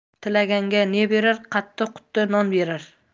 tilaganga ne berar qatti qutti non berar